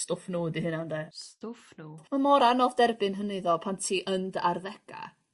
stwff nw 'di hynna ynde? Stwff nw. Ma' mor anodd derbyn hynny tho pan ti yn dy arddega.